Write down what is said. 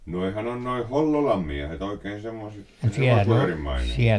nuohan on nuo Hollolan miehet oikein semmoiset hevoshuijarin maineessa